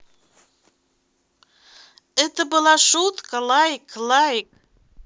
это была шутка лайк лайк